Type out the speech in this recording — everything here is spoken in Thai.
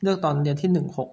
เลือกตอนเรียนที่หนึ่งหก